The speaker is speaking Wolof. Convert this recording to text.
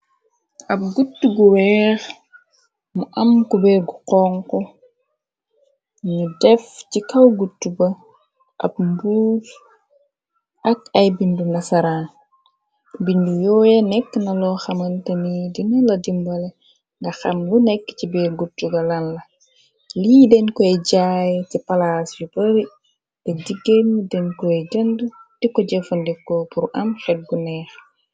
Ab gutu gu weex mu am ko bérgu xonk nu def ci kaw gutu ba ab mbuuj ak ay bindu nasaraan bindu yooye nekk na loo xamante ni dina la dimbale nda xam lu nekk ci beer gutu ga lan la lii den koy jaay ci palaas yu bari te jigéenu den koy jënd di ko jëfandiko pur am xetgu neex.